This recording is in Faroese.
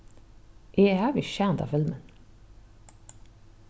eg havi ikki sæð handan filmin